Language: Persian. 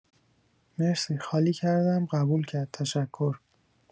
مرسی خالی کردم قبول کرد تشکر